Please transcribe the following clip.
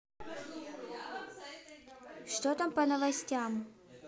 что там по новостям